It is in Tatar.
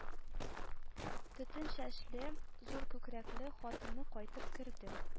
Төтен чәчле, зур күкрәкле хатыны кайтып керде